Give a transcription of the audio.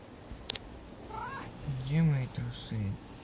где мои трусы